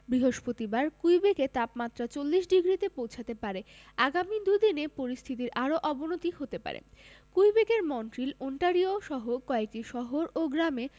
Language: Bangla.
বৃহস্পতিবার কুইবেকে তাপমাত্রা ৪০ ডিগ্রিতে পৌঁছাতে পারে আগামী দু'দিনে পরিস্থিতির আরও অবনতি হতে পারে কুইবেকের মন্ট্রিল ওন্টারিওসহ কয়েকটি শহর ও গ্রামে